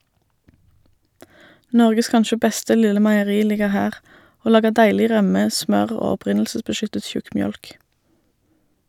Norges kanskje beste lille meieri ligger her, og lager deilig rømme, smør og opprinnelsesbeskyttet tjukkmjølk.